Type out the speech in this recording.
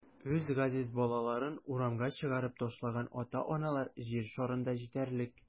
Үз газиз балаларын урамга чыгарып ташлаган ата-аналар җир шарында җитәрлек.